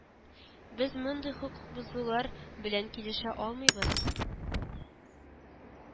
Без мондый хокук бозулар белән килешә алмыйбыз